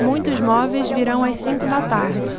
muitos móveis virão às cinco da tarde